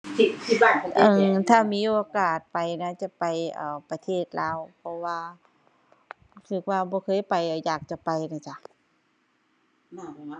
เอ่อ ถ้ามีโอกาสไปนะจะไป เอ่อ ประเทศลาว เพราะว่าคิดว่าบ่เคยไป อยากจะไปน่ะจ้ะ